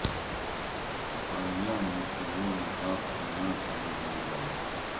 а я не чего никак иначе никогда